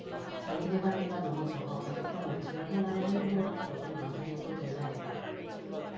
자기계발비가 너무 적어 가족당 외출을 한 달에 한 두 번밖에 못할 명세서도 등장했다